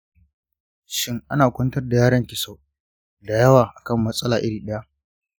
shin ana kwantar da yaron ki sau dayawa akan matsala iri ɗaya?